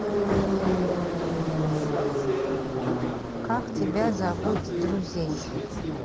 как тебя зовут друзей